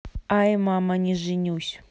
ай мама не женюсь